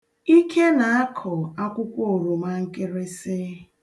Ike na-akụ akwụkwọ oroma nkịrịsị.